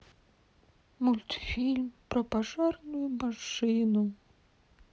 мультфильм про пожарную машину